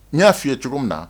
Ni y'a f fɔi ye cogo min na